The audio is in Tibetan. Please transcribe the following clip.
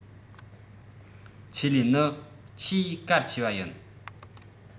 ཆེད ལས ནི ཆེས གལ ཆེ བ ཡིན